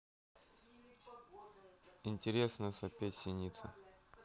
интересно сопеть синица